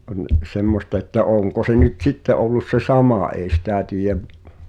on semmoista että onko se nyt sitten ollut se sama ei sitä tiedä